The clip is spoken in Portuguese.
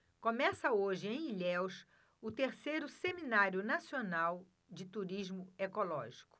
começa hoje em ilhéus o terceiro seminário nacional de turismo ecológico